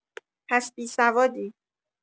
پس بی‌سوادی